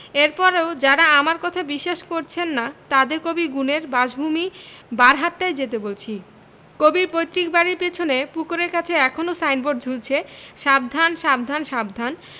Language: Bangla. এর পরেও যারা আমার কথা বিশ্বাস করছেন না তাঁদের কবি গুণের বাসভূমি বারহাট্টায় যেতে বলছি কবির পৈতৃক বাড়ির পেছনে পুকুরের কাছে এখনো সাইনবোর্ড ঝুলছে সাবধান সাবধান সাবধান